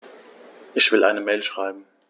Ich will eine Mail schreiben.